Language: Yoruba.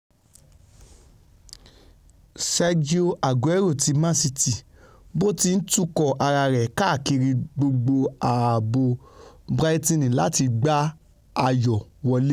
Wòran: Sergio Aguero ti Manchester City bóti ńtukọ̀ ara rẹ káàkiri gbogbo àabo Brighton láti gbá ayò wọlé